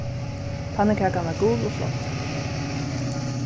pannukakan var gul og flott